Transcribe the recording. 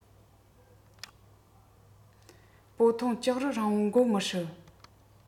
སྤོ ཐུང ལྕགས རི རིང བོར འགོད མི སྲིད